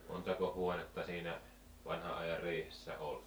montako huonetta siinä vanhan ajan riihessä oli